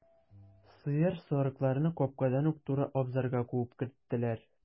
Сыер, сарыкларны капкадан ук туры абзарга куып керттеләр.